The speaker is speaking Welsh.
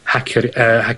Hacio'r yy Hacio'r Iaith yy